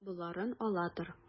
Боларын ала тор.